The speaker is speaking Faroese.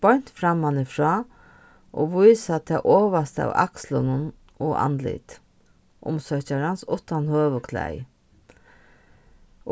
beint frammanífrá og vísa tað ovasta av akslunum og andlitið umsøkjarans uttan høvuðklæði